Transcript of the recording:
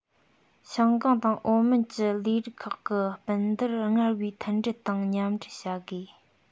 ཞང ཀང དང ཨའོ མོན གྱི ལས རིགས ཁག གི སྤུན ཟླར སྔར བས མཐུན སྒྲིལ དང མཉམ འབྲེལ བྱ དགོས